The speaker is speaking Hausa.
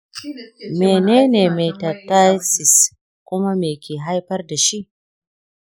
mene ne metastasis kuma me ke haifar da shi?